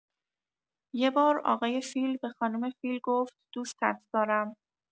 یه بار آقای فیل به خانوم فیل گفت دوستت دارم.